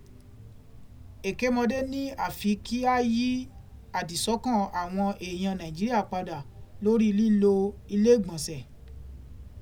Èkémọdé ni àfi kí á yí àdìsọ́kàn àwọn èèyàn Nàìjíríà padà lórí lílo ilé ìgbọ̀nsẹ̀.